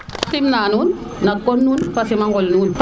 sim na nuun no kon nuun fo sima ngol nuun